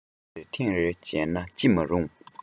ཉིན རེར ཐེངས རེ མཇལ ན ཅི མ རུང